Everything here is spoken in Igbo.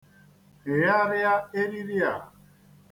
Hịgharịa eriri a!